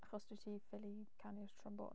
Achos dwyt ti ffili canu'r trombôn?